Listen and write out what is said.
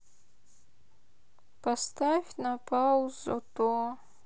поставь на паузу то